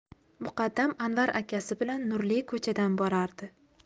muqaddam anvar akasi bilan nurli ko'chadan borardi